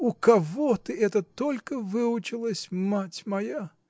У кого ты это только выучилась, мать моя.